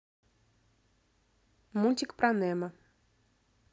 мультик про немо